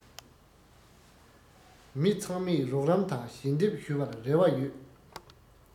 མི ཚང མས རོགས རམ དང ཞམ འདེགས ཞུ བར རེ བ ཡོད